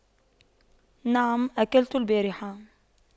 نعم أكلت البارحة